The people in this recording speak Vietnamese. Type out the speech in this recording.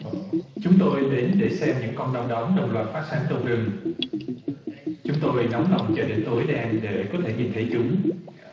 chúng tôi đến để xem những con đom đóm đồng loạt phát sáng trong rừng chúng tôi nóng lòng chờ đến tối đen để có thể nhìn thấy chúng